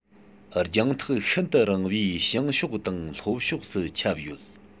རྒྱང ཐག ཤིན ཏུ རིང བའི བྱང ཕྱོགས དང ལྷོ ཕྱོགས སུ ཁྱབ ཡོད